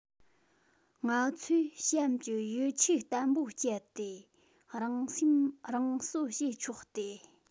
ང ཚོས གཤམ གྱི ཡིད ཆེས བརྟན པོ སྤྱད དེ རང སེམས རང གསོ བྱེད ཆོག སྟེ